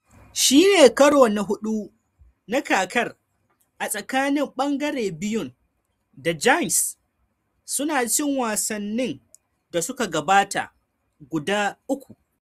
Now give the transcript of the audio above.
Shi ne karo na hudu na kakar a tsakanin bangare biyun, da Giants su na cin wassannin da suka gabata guda uku.